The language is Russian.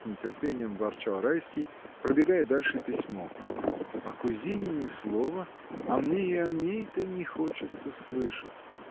— с нетерпением ворчал Райский, пробегая дальше письмо, — о кузине ни слова, а мне и о ней-то не хочется слышать!